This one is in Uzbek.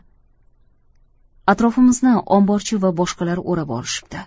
atrofimizni omborchi va boshqalar o'rab olishibdi